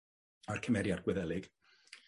a'r cymeriad Gwyddelig,